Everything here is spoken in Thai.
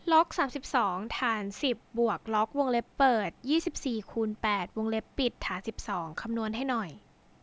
ล็อกสามสิบสองฐานสิบบวกล็อกวงเล็บเปิดยี่สิบสี่คูณแปดวงเล็บปิดฐานสิบสองคำนวณให้หน่อย